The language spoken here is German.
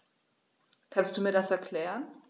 Kannst du mir das erklären?